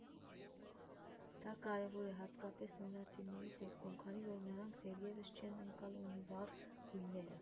Դա կարևոր է հատկապես նորածինների դեպքում, քանի որ նրանք դեռևս չեն ընկալում վառ գույները»։